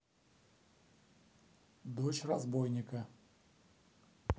дочь разбойника